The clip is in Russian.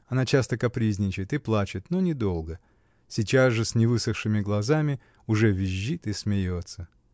Она часто капризничает и плачет, но не долго: сейчас же, с невысохшими глазами, уже визжит и смеется.